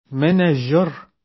Менә җор!